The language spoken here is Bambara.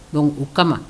Don o kama